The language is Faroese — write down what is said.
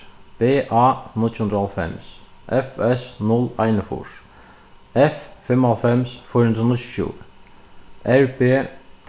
b a níggju hundrað og hálvfems f s null einogfýrs f fimmoghálvfems fýra hundrað og níggjuogtjúgu r b